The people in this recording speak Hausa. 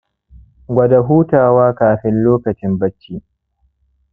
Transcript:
gwada hutawa kafin lokacin-bacci